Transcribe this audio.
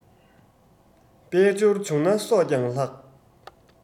དཔལ འབྱོར བྱུང ན སྲོག ཀྱང བརླག